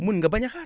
mën nga bañ a xaar